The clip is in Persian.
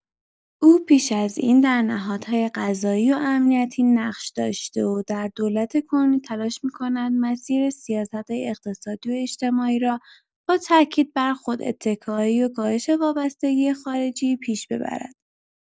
او پیش از این در نهادهای قضایی و امنیتی نقش داشته و در دولت کنونی تلاش می‌کند مسیر سیاست‌های اقتصادی و اجتماعی را با تأکید بر خوداتکایی و کاهش وابستگی خارجی پیش ببرد.